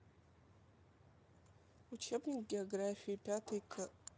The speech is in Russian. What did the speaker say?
учебник география пятый к